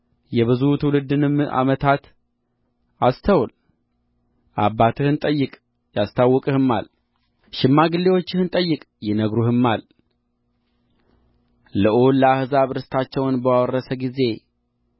የብዙ ትውልድንም ዓመታት አስተውል አባትህን ጠይቅ ያስታውቅህማል ሽማግሌዎችህን ጠይቅ ይነግሩህማል ልዑል ለአሕዛብ ርስታቸውን ባወረሰ ጊዜ